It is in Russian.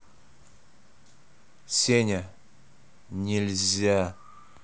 сеня нельзя